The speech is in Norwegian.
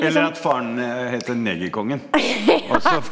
eller at faren heter negerkongen også.